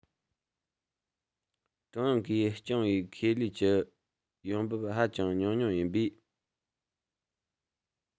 ཀྲུང དབྱང གིས སྐྱོང བའི ཁེ ལས ཀྱི ཡོང འབབ ཧ ཅང ཉུང ཉུང ཡིན པས